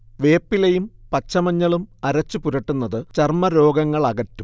വേപ്പിലയും പച്ചമഞ്ഞളും അരച്ചു പുരട്ടുന്നത് ചർമ രോഗങ്ങളകറ്റും